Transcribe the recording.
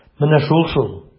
Менә шул-шул!